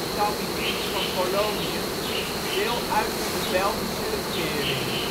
24-tal ministers van Koloniën deel uit van de Belgische regering